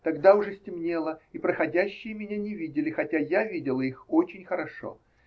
Тогда уже стемнело, и проходящие меня не видели, хотя я видела их очень хорошо.